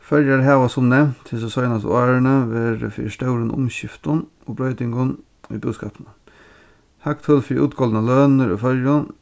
føroyar hava sum nevnt hesi seinastu árini verið fyri stórum umskiftum og broytingum í búskapinum hagtøl fyri útgoldnar lønir í føroyum